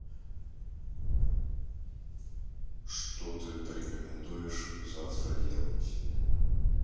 что ты порекомендуешь завтра делать